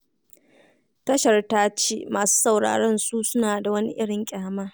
Tashar ta ce masu sauraron su suna da "wani irin ƙyama"